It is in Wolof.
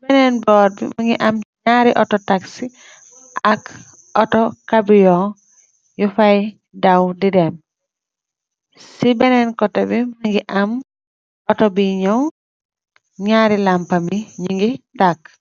benen burr bi mungi ame nyarri autor taxi ak autor cabiun yufy daw di dem si benen kuteh bi mungi ame autor buye nyuw nyarri lampa bi nyunge takuh